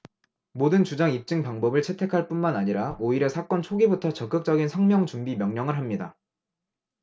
모든 주장 입증 방법을 채택할 뿐만 아니라 오히려 사건 초기부터 적극적인 석명준비 명령을 합니다